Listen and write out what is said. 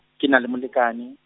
ke na le molekane.